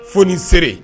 Foni se